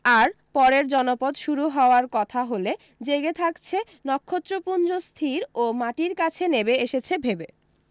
আর পরের জনপদ শুরু হওয়ার কথা হলে জেগে থাকছে নক্ষত্রপুঞ্জ স্থির ও মাটির কাছে নেবে এসেছে ভেবে